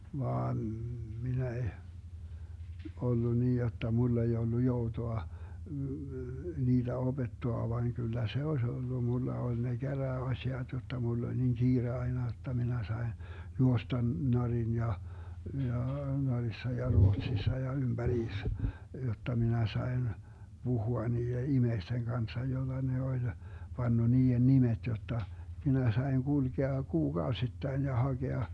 vaan minä en ollut niin jotta minulla ei ollut joutoa niitä opettaa vain kyllä se olisi ollut minulla oli ne käräjäasiat jotta minulla oli niin kiire aina jotta minä sain juosta Norjan ja ja Norjassa ja Ruotsissa ja ympäriinsä jotta minä sain puhua niiden ihmisten kanssa jolla ne oli panna niiden nimet jotta minä sain kulkea kuukausittain ja hakea